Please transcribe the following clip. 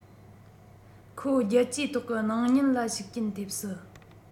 ཁོ རྒྱལ སྤྱིའི ཐོག གི སྣང བརྙན ལ ཤུགས རྐྱེན ཐེབས སྲིད